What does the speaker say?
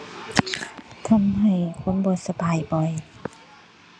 ทำให้คนบ่สบายบ่อย